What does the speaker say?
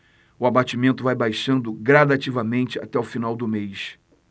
o abatimento vai baixando gradativamente até o final do mês